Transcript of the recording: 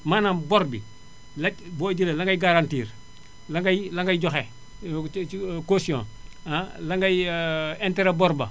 maanaam bor bi la ca boo jëlee la ngay garantir la ngay la ngay joxe ci caution la ngay interet bor ba